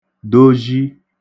dozhi